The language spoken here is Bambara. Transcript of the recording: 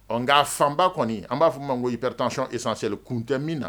Ɔ nka a fanba kɔni, an b'a fɔ min ma ko hypertension essentielle kun tɛ min na